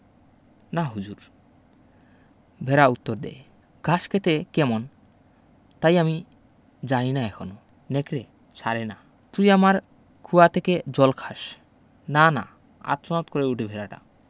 না হুজুর ভেড়া উত্তর দ্যায় ঘাস খেতে কেমন তাই আমি জানি না এখনো নেকড়ে ছাড়ে না তুই আমার কুয়া থেকে জল খাস না না আর্তনাদ করে ওঠে ভেড়াটা